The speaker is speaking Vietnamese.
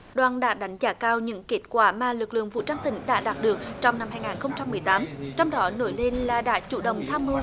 đoàn đã đánh giá cao những kết quả mà lực lượng vũ trang tỉnh đã đạt được trong năm hai ngàn không trăm mười tám trong đó nổi lên là đã chủ động tham mưu